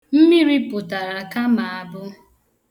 Mmiri pụtara kama abụ .